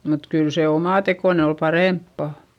mutta kyllä se omatekoinen oli parempaa